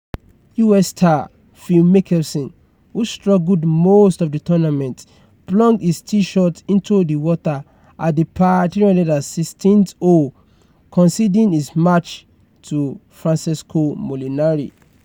US star Phil Mickelson, who struggled most of the tournament, plunked his tee-shot into the water at the par-3 16th hole, conceding his match to Francesco Molinari.